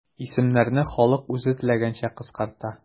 Исемнәрне халык үзе теләгәнчә кыскарта.